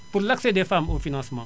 pour l' accès des femmes aux financements